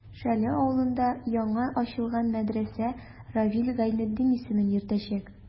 Шәле авылында яңа ачылган мәдрәсә Равил Гайнетдин исемен йөртәчәк.